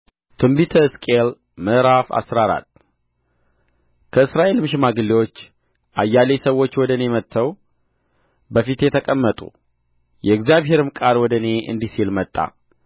ትንቢተ ሕዝቅኤል ምዕራፍ አስራ አራት ከእስራኤልም ሽማግሌዎች አያሌ ሰዎች ወደ እኔ መጥተው በፊቴ ተቀመጡ የእግዚአብሔርም ቃል ወደ እኔ እንዲህ ሲል መጣ